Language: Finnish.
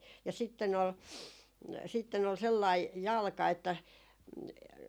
ja sitten oli sitten oli sellainen jalka että